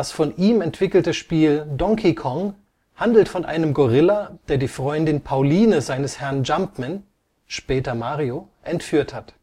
von ihm entwickelte Spiel Donkey Kong handelt von einem Gorilla, der die Freundin Pauline seines Herrn Jumpman (später Mario) entführt hat